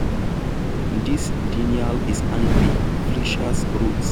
"This denial is angry," Fleischer wrote.